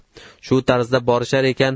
shu tarzda borishar ekan